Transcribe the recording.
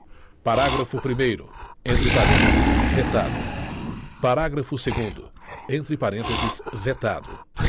parágrafo primeiro entre parênteses vetado parágrafo segundo entre parênteses vetado